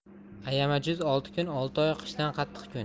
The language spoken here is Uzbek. ayamajuz olti kun olti oy qishdan qattiq kun